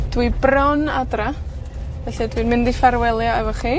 Dwi bron adra, felly dwi'n mynd i ffarwelio efo chi.